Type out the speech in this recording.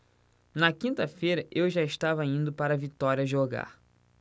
na quinta-feira eu já estava indo para vitória jogar